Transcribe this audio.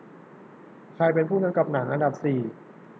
ใครเป็นผู้กำกับหนังอันดับสี่